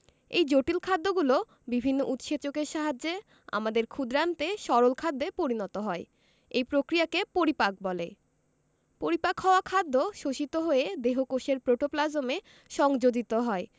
এই জটিল খাদ্যগুলো বিভিন্ন উৎসেচকের সাহায্যে আমাদের ক্ষুদ্রান্তে সরল খাদ্যে পরিণত হয় এই প্রক্রিয়াকে পরিপাক বলে পরিপাক হওয়া খাদ্য শোষিত হয়ে দেহকোষের প্রোটোপ্লাজমে সংযোজিত হয়